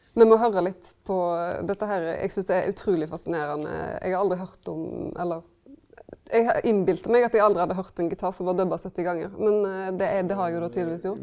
me må høyra litt på dette herre eg synast det er utruleg fasinerande, eg har aldri høyrt om eller eg innbilte meg at eg aldri hadde høyrt ein gitar som var dubba 70 gonger, men det er det har eg jo då tydelegvis gjort.